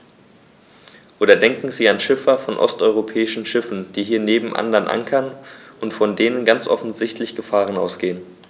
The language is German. Oder denken Sie an Schiffer von osteuropäischen Schiffen, die hier neben anderen ankern und von denen ganz offensichtlich Gefahren ausgehen.